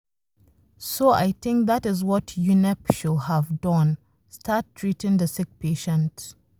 So I think that is what UNEP should have done now: start treating the sick patient.